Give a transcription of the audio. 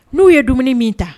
N'u ye dumuni min ta